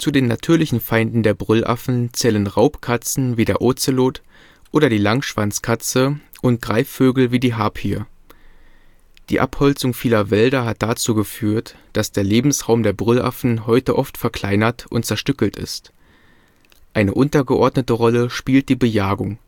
den natürlichen Feinden der Brüllaffen zählen Raubkatzen wie der Ozelot oder die Langschwanzkatze und Greifvögel wie die Harpyie. Die Abholzung vieler Wälder hat dazu geführt, dass der Lebensraum der Brüllaffen heute oft verkleinert und zerstückelt ist. Eine untergeordnete Rolle spielt die Bejagung